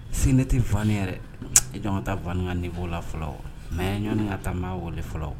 Sinɛti Van yɛrɛ, jɔ n ka taa van ka niveua la quoi, mais yani n ka taa jɔ na b'a weele fɔlɔ.